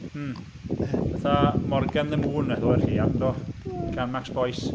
Hm, fatha Morgan The Moon aeth o i'r Lleuad, yn do? Gan Max Boyce?